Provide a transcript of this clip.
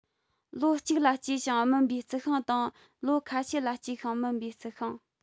ལོ གཅིག ལ སྐྱེ ཞིང སྨིན པའི རྩི ཤིང དང ལོ ཁ ཤས ལ སྐྱེ ཞིང སྨིན པའི རྩི ཤིང